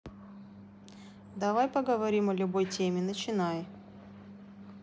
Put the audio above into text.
давай поговорим о любой теме начинай